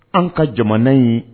An ka jamana ye